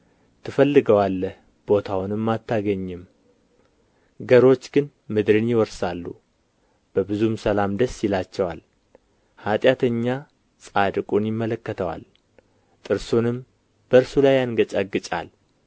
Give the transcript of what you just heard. ትፈልገዋለህ ቦታውንም አታገኝም ገሮች ግን ምድርን ይወርሳሉ በብዙም ሰላም ደስ ይላቸዋል ኃጢአተኛ ጻድቁን ይመለካከተዋል ጥርሱንም በእርሱ ላይ ያንገጫግጫል